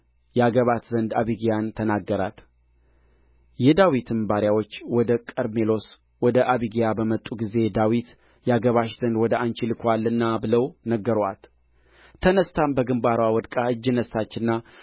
ያገባት ዘንድ አቢግያን ተነጋገራት የዳዊትም ባሪያዎች ወደ ቀርሜሎስ ወደ አቢግያ በመጡ ጊዜ ዳዊት ያገባሽ ዘንድ ወደ አንቺ ልኮናል ብለው ነገሩአት ተነሥታም በግምባርዋ ወድቃ እጅ ነሣችና